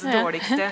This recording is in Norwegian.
ja.